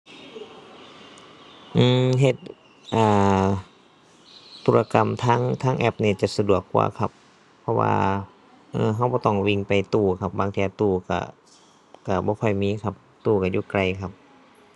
อืม เฮ็ด อ่า ธุรกรรมทาง ทางแอปนี่จะสะดวกกว่าครับ เพราะว่า เออ เราบ่ต้องวิ่งไปตู้ครับ บางเทื่อตู้เรา เราบ่ค่อยมีครับ ตู้เราอยู่ไกลครับ